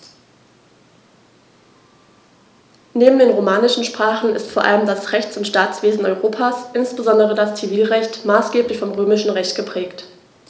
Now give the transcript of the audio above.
Neben den romanischen Sprachen ist vor allem das Rechts- und Staatswesen Europas, insbesondere das Zivilrecht, maßgeblich vom Römischen Recht geprägt.